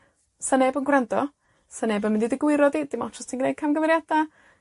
'sa neb yn gwrando. 'sa neb yn mynd i dy gwiro di. Dim ots os ti'n gneud camgymeriada.